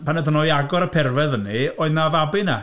Pan aethon nhw i agor y perfedd fyny, oedd 'na fabi 'na.